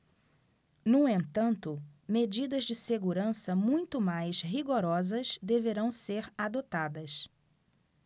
no entanto medidas de segurança muito mais rigorosas deverão ser adotadas